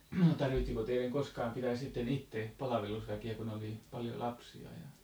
tarvitsiko teidän koskaan pitää sitten itse palvelusväkeä kun oli paljon lapsia ja